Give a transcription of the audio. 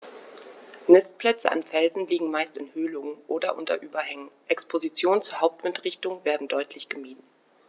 Nistplätze an Felsen liegen meist in Höhlungen oder unter Überhängen, Expositionen zur Hauptwindrichtung werden deutlich gemieden.